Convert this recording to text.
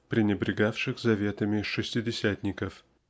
пренебрегавших заветами "шестидесятников".